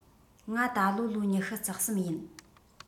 ང ད ལོ ལོ ཉི ཤུ རྩ གསུམ ཡིན